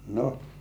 no